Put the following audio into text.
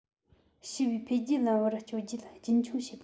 ཞི བའི འཕེལ རྒྱས ལམ བུར བསྐྱོད རྒྱུ རྒྱུན འཁྱོངས བྱེད པ